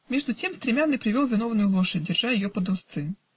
Между тем стремянный привел виновную лошадь, держа ее под уздцы.